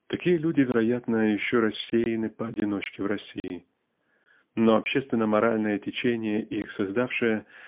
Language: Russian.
Такие люди, вероятно, еще рассеяны поодиночке в России но обществ венно-моральное течение их создавшее